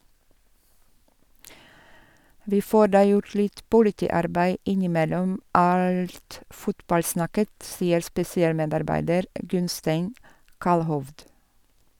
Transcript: - Vi får da gjort litt politiarbeid innimellom alt fotballsnakket, sier spesialmedarbeider Gunnstein Kallhovd.